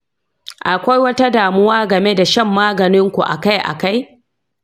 akwai wata damuwa game da shan maganin ku akai-akai?